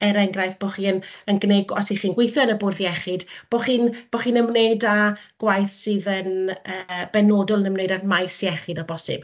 Er enghraifft, bod chi yn yn gwneud gw... os 'y chi'n gweithio yn y bwrdd iechyd, bo' chi'n bo' chi'n ymwneud â gwaith sydd yn yy benodol yn ymwneud â maes iechyd o bosib,